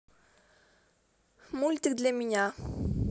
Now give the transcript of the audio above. мультик для меня